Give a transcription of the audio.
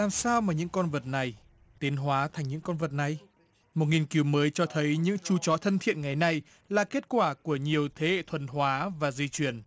làm sao mà những con vật này tiến hóa thành những con vật này một nghiên cứu mới cho thấy những chú chó thân thiện ngày này là kết quả của nhiều thế thuần hóa và di truyền